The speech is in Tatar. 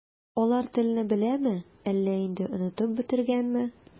Алар телне беләме, әллә инде онытып бетергәнме?